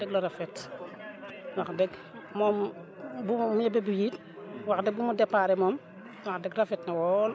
dëgg la rafet wax dëgg moom bu ñebe bi it wax dëgg ni mu départ moom wax dëgg rafet na lool